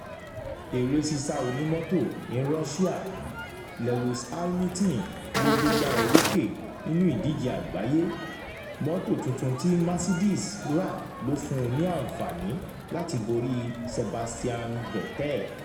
Erésísáonímọ́tò ní Russia Lewis Hamilton ló gbégbá orókè nínú ìdíjẹ àgbáyé. Mọ́tò tuntun tí Mercedes ráà ló fún ní àǹfààní láti borí Sebastian Vettel.